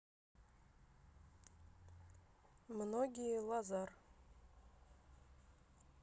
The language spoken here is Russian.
многие лазар